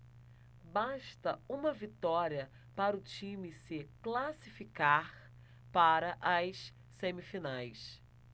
basta uma vitória para o time se classificar para as semifinais